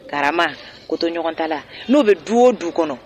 Karama ko to ɲɔgɔn ta la n'o bɛ du o du kɔnɔ